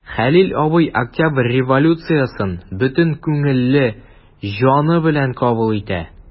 Хәлил абый Октябрь революциясен бөтен күңеле, җаны белән кабул итә.